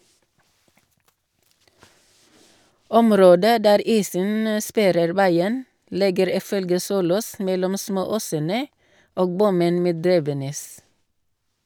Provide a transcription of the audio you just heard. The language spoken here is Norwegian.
Området der isen sperrer veien ligger ifølge Solås mellom smååsene og bommen ved Drivenes.